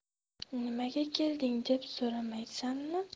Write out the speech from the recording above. nimaga kelding deb so'ramaysan mi